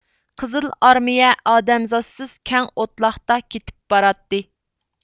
قىزىل ئارمىيە ئادەمزاتسىز كەڭ ئوتلاقتا كېتىپ باراتتى